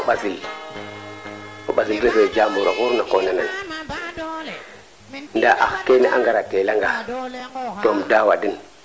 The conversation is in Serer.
jalik koy comme fop rooga ci'ya nga wiin we rek xana ci'yong a keeka le daal jege probleme leŋ